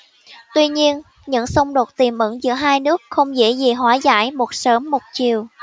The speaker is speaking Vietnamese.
tuy nhiên những xung đột tiềm ẩn giữa hai nước không dễ gì hóa giải một sớm một chiều